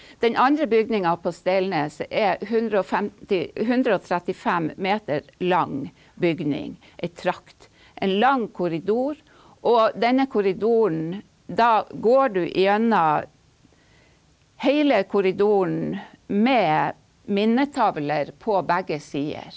den andre bygninga på Steilneset er hundreogfemti hundreogtrettifem meter lang bygning, ei trakt, en lang korridor, og denne korridoren, da går du igjennom heile korridoren med minnetavler på begge sider.